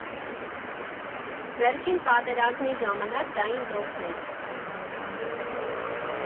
Վերջին պատերազմի ժամանակ դա ինձ օգնեց։